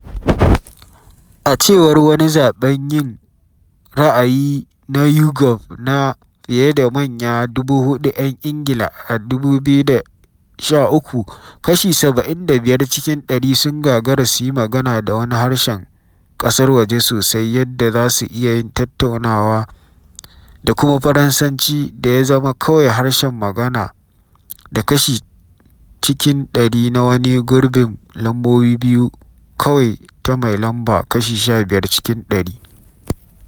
A cewar wani zaɓen jin ra’ayi na YouGov na fiye da manya 4,000 ‘yan Ingila a 2013, kashi 75 cikin ɗari sun gagara su yi magana da wani harshen ƙasar waje sosai yadda za su iya yin tattaunawa da kuma Faransanci da ya zama kawai harshen magana da kashi cikin ɗari na wani gurbin lambobi biyu kawai ta mai lamba, kashi 15 cikin ɗari.